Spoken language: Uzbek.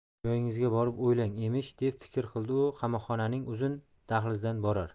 joyingizga borib o'ylang emish deb fikr qildi u qamoqxonaning uzun dahlizidan borar